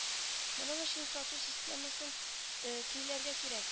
Моның өчен сату системасын көйләргә кирәк